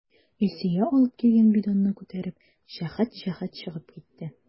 Илсөя алып килгән бидонны күтәреп, җәһәт-җәһәт чыгып китте.